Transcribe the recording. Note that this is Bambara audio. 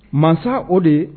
Mansa o de